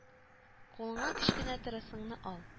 Кулыңа кечкенә тырысыңны ал